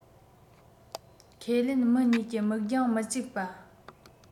ཁས ལེན མི གཉིས ཀྱི མིག རྒྱང མི གཅིག པ